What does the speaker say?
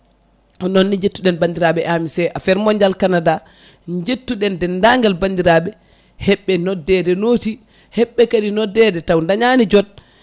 hono noon jettuɗen bandiraɓe AMC affaire mondial Canada jettuɗen dendagal bandirɓe hebɓe noddede nooti hebɓe kadi noddede taw dañani joot